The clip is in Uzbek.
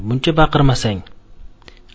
muncha baqirmasang